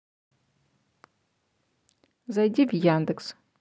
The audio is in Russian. зайди в яндекс